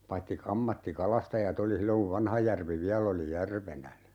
paitsi - ammattikalastajat oli silloin kun Vanhajärvi vielä oli järvenä